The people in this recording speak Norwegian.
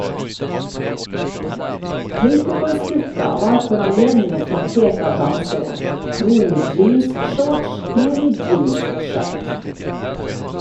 Paperboys-gutta var for anledningen flankert av dansere, noen i jeans-shorts, noen i jeans-skjørt.